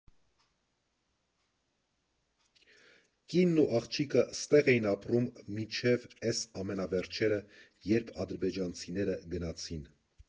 Կինն ու աղջիկը ստեղ էին ապրում, մինչև էս ամենավերջերը, երբ ադրբեջանցիները գնացին։